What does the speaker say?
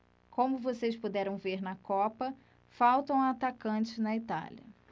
como vocês puderam ver na copa faltam atacantes na itália